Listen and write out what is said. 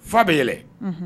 Fa bɛ yɛlɛ